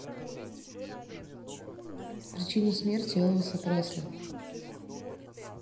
причина смерти элвиса пресли